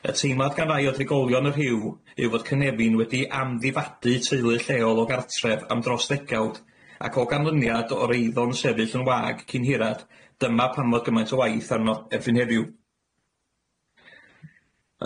Y teimlad gan rai o drigolion y Rhiw yw fod Cynefin wedi amddifadu teulu lleol o gartref am dros ddegawd, ac o ganlyniad o'r eidd'n sefyll yn wag cyn hirad dyma pam fod gymaint o waith arno erbyn heddiw.